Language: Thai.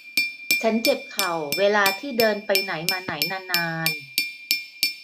ฉันเจ็บเข่าเวลาที่เดินไปไหนมาไหนนานนาน